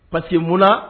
Paseke mun na